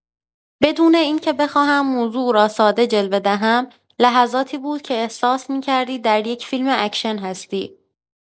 بدون اینکه بخواهم موضوع را ساده جلوه دهم، لحظاتی بود که احساس می‌کردی در یک فیلم اکشن هستی.